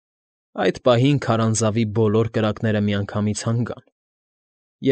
Այդ պահին քարանձավի բոլոր կրակները միանգամից հանգան և։